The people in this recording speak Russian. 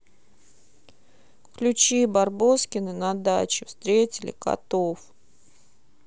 включи барбоскины на даче встретили котов